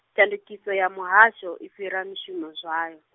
tshandukiso ya muhasho i fhira mishumo zwayo.